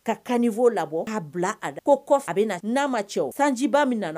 Ka kanfɔ labɔ k'a bila a ko kɔ a bɛ na n'a ma cɛ cɛw sanjiba min nana